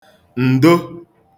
ǹdo